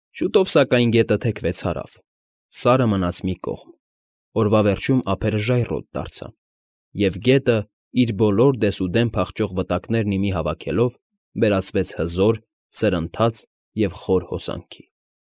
Շուտով, սակայն, գետը թեքվեց Հարավ, Սարը մնաց մի կողմ, օրվա վերջում ափերը ժայռոտ դարձան, և գետը, իր բոլոր դեսուդեն փախչող վտակներն ի մի հավաքելով, վերածվեց հզոր, սրընթաց և խոր հոսանքի։